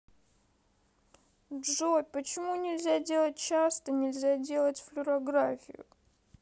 джой почему нельзя делать часто нельзя делать флюорографию